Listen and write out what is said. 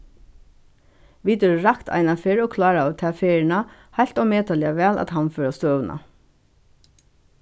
vit eru rakt eina ferð og kláraðu ta ferðina heilt ómetaliga væl at handfara støðuna